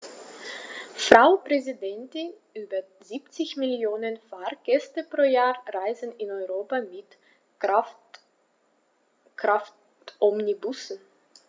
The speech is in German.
Frau Präsidentin, über 70 Millionen Fahrgäste pro Jahr reisen in Europa mit Kraftomnibussen.